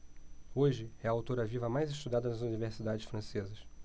hoje é a autora viva mais estudada nas universidades francesas